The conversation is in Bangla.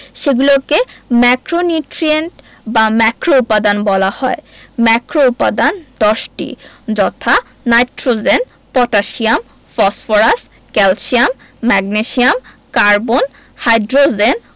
সেগুলোকে ম্যাক্রোনিউট্রিয়েন্ট বা ম্যাক্রোউপাদান বলা হয় ম্যাক্রোউপাদান 10টি যথা nitrogen potassium phosphorus calcium magnesium carbon hydrogen